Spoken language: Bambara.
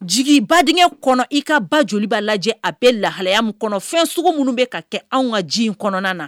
Jigi ba denkɛ kɔnɔ i ka ba joli'a lajɛ a bɛ lahalaya min kɔnɔ fɛn sugu minnu bɛ ka kɛ anw ka ji in kɔnɔna na